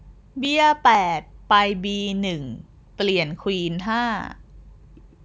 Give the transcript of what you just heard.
เบี้ยแปดไปบีหนึ่งเปลี่ยนควีนห้า